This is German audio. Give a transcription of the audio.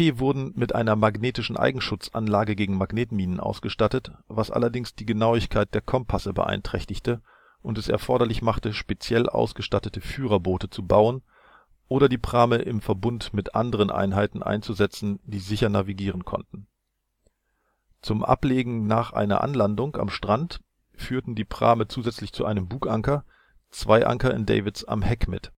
wurden mit einer MES-Anlage ausgestattet, was allerdings die Genauigkeit der Kompasse beeinträchtigte, und es erforderlich machte spezielle Führerboote zu bauen oder die Prahme im Verbund mit anderen Einheiten einzusetzen, die sicher navigieren konnten. Zum Ablegen nach einer Anlandung am Strand führten die Prahme zusätzlich zu einem Buganker zwei Anker in Davits am Heck mit